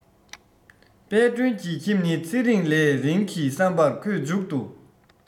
དཔལ སྒྲོན གྱི ཁྱིམ ནི ཚེ རིང ལས རིང གི བསམ པར ཁོས མཇུག ཏུ